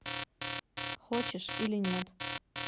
хочешь или нет